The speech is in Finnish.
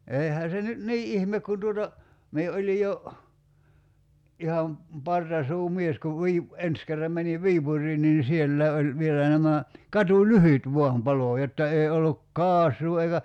eihän se nyt niin ihme kun tuota minä olin jo ihan partasuumies kun - ensi kerran menin Viipuriin niin sielläkin oli vielä nämä katulyhdyt vain paloi jotta ei ollut kaasua eikä